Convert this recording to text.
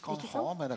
ikke sant.